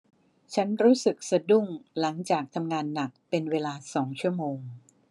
ฉันรู้สึกสะดุ้งหลังจากทำงานหนักเป็นเวลาสองชั่วโมง